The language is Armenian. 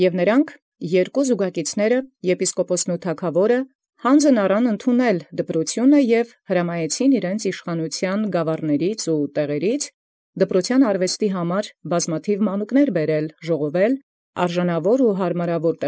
Եւ նոցա երկոցունց զուգակցելոց, եպիսկոպոսին և թագաւորին, յանձն առեալ դպրութեանն հնազանդելոյ. տային ևս հրաման՝ ի գաւառաց և ի տեղեաց իշխանութեանն իւրեանց բազմութիւն մանկանց յարուեստ դպրութեանն ածել և գումարել՝ ըստ արժանաւոր և պատեհ։